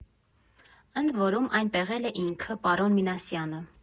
Ընդ որում, այն պեղել է ինքը՝ պարոն Մինասյանը։